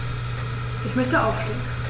Ich möchte aufstehen.